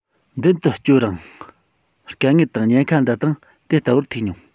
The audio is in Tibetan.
མདུན དུ སྐྱོད རིང དཀའ ངལ དང ཉེན ཁ འདི དང དེ ལྟ བུར ཐུག མྱོང